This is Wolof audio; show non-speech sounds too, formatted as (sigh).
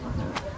(hesitation) (hesitation) (crosstalk)